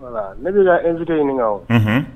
Ne' ka nj ɲini